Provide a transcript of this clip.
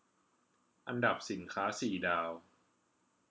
อันดับสินค้าสี่ดาว